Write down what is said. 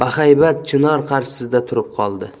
bahaybat chinor qarshisida turib qoldi